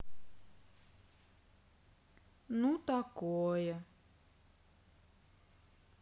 ну такое